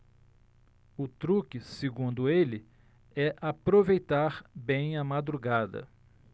o truque segundo ele é aproveitar bem a madrugada